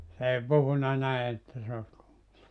se ei puhunut näin että se olisi kuulunut